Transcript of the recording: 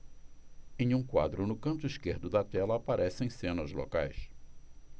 em um quadro no canto esquerdo da tela aparecem cenas locais